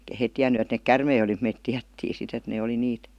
eikä he tiennyt että ne käärmeitä oli mutta me tiedettiin sitten että ne oli niitä